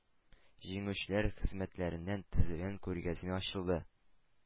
Җиңүчеләр хезмәтләреннән төзелгән күргәзмә ачылды.